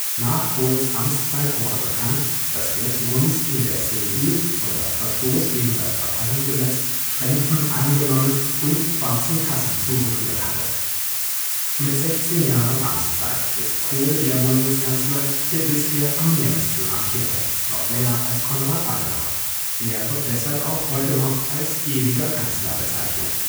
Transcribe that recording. Nach Kohls Amtszeit wurde bekannt, dass er zugunsten der CDU unter Verstoß gegen das Parteigesetz Spenden angenommen und „ schwarzen Kassen “zugeführt hatte. Mit 16 Jahren Amtszeit ist Kohl der Bundeskanzler, der bisher am längsten amtierte (länger als Konrad Adenauer, 14 Jahre). Er wird deshalb auch heute noch als „ ewiger Kanzler “bezeichnet